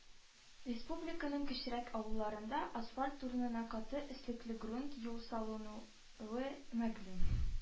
Республиканың кечерәк авылларында асфальт урынына каты өслекле грунт юл салынуы мәгълүм